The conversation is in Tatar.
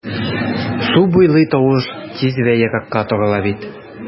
Су буйлый тавыш тиз вә еракка тарала бит...